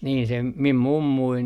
niin sen minun mummuni